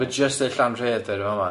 Ma' jyst deud Llanrhaeadr yn fa'ma.